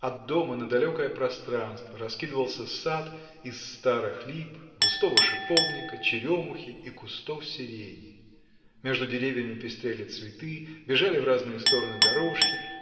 От дома на далекое пространство раскидывался сад из старых лип густого шиповника черемухи и кустов сирени. Между деревьями пестрели цветы бежали в разные стороны дорожки